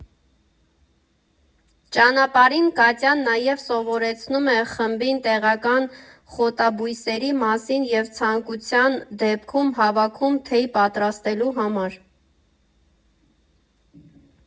Ճանապարհին Կատյան նաև սովորեցնում է խմբին տեղական խոտաբույսերի մասին և ցանկության դեպքում հավաքում թեյ պատրաստելու համար։